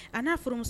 A n'a furumuso